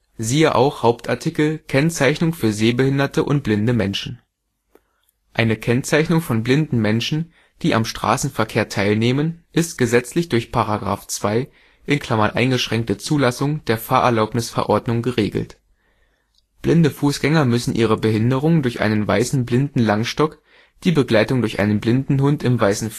→ Hauptartikel: Kennzeichnung für sehbehinderte und blinde Menschen Eine Kennzeichnung von blinden Menschen, die am Straßenverkehr teilnehmen, ist gesetzlich durch § 2 (Eingeschränkte Zulassung) der Fahrerlaubnisverordnung geregelt. Blinde Fußgänger müssen ihre Behinderung durch einen weißen Blindenlangstock, die Begleitung durch einen Blindenhund im weißen